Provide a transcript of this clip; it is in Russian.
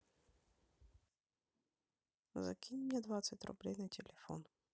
закинь мне двадцать рублей на телефон